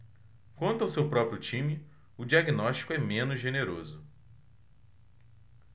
quanto ao seu próprio time o diagnóstico é menos generoso